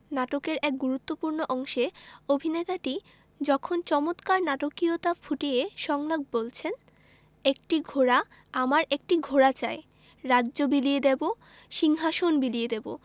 নাটকের এক গুরুত্তপূ্র্ণ অংশে অভিনেতাটি যখন চমৎকার নাটকীয়তা ফুটিয়ে সংলাপ বলছেন একটি ঘোড়া আমার একটি ঘোড়া চাই রাজ্য বিলিয়ে দেবো সিংহাশন বিলিয়ে দেবো